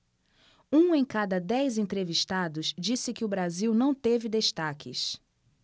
um em cada dez entrevistados disse que o brasil não teve destaques